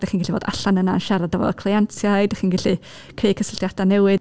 Dych chi'n gallu bod allan yna yn siarad efo cleientiaid. Dych chi'n gallu creu cysylltiadau newydd.